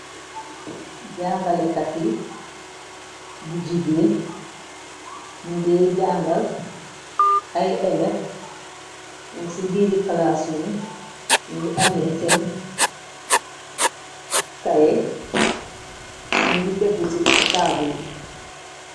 Jangale kati bu jigéen mu ngiy jangal ayelef wung ci biiri klaasuum mingi amee seen kaye mu ngi teggu ci taabul bi.